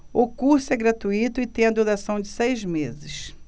o curso é gratuito e tem a duração de seis meses